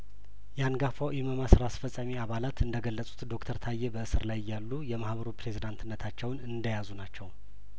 የአንጋፋው ኢመማ ስራ አስፈጻሚ አባላት እንደገለጹት ዶክተር ታዬ በእስር ላይ እያሉ የማህበሩ ፕሬዚዳንትነታቸውን እንደያዙ ናቸው